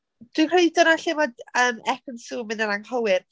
Dwi'n credu dyna lle mae d- yym Ekin Su yn mynd yn anghywir.